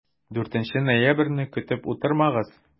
4 ноябрьне көтеп утырмагыз!